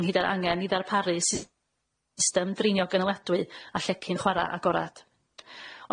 ynghyd â'r angen i ddarparu system drinio gynaliadwy a llecyn chwara agorad.